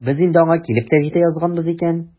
Без инде аңа килеп тә җитә язганбыз икән.